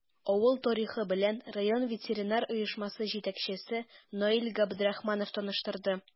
Авыл тарихы белән район ветераннар оешмасы җитәкчесе Наил Габдрахманов таныштырды.